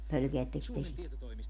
pelkäättekös te sitä